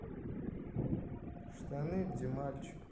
штаны где мальчик